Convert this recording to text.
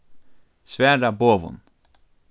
svara boðum